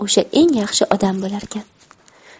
o'sha eng yaxshi odam bo'larkan